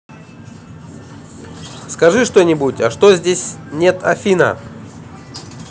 скажи что нибудь а что здесь нет афина